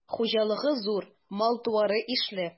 Хуҗалыгы зур, мал-туары ишле.